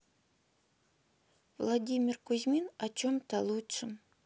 владимир кузьмин о чем то лучшем